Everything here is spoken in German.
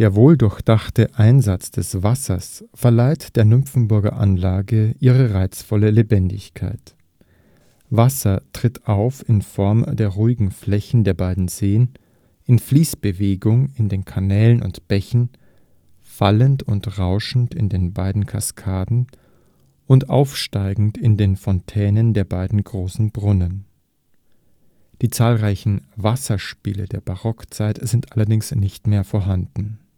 wohldurchdachte Einsatz des Wassers verleiht der Nymphenburger Anlage ihre reizvolle Lebendigkeit. Wasser tritt auf in Form der ruhigen Flächen der beiden Seen, in Fließbewegung in den Kanälen und Bächen, fallend und rauschend in den beiden Kaskaden und aufsteigend in den Fontänen der beiden großen Brunnen. Die zahlreichen Wasserspiele der Barockzeit sind allerdings nicht mehr vorhanden